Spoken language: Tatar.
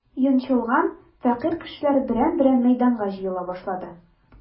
Йончылган, фәкыйрь кешеләр берәм-берәм мәйданга җыела башлады.